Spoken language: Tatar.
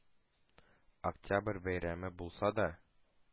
Октябрь бәйрәме булса да